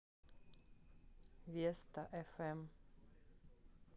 веста фм